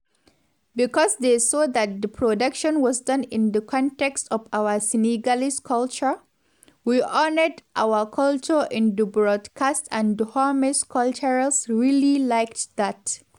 Because they saw that the production was done in the context of our Senegalese culture … we honored our culture in the broadcast and the “hommes culturels” really liked that.